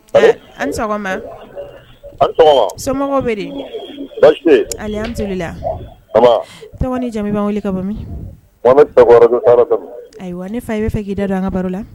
Ɛɛ an ni sɔgɔma somɔgɔw bɛ an to la jamuba wele ka ayiwa ne fa i bɛa fɛ k'i da anga baro la